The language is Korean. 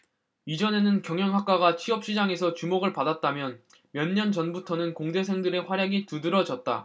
이전에는 경영학과가 취업시장에서 주목을 받았다면 몇년 전부터는 공대생들의 활약이 두드러졌다